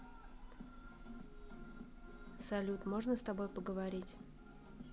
салют можно с тобой поговорить